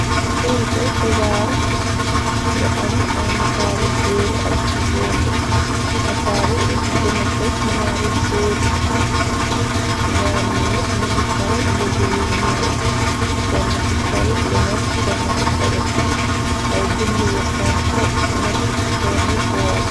Këytu xibaar bu am ay nataali guur ak jigeen, nataali using gena fos ñaari guur ñyaar ñu ñepp ñi ngi sol mubbu yu ñuul. Kenaki sol lu nete kenen ki solut ay bind yi konko nekk ci seeni boor.